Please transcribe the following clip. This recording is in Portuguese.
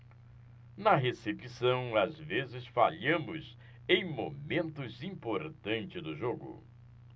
na recepção às vezes falhamos em momentos importantes do jogo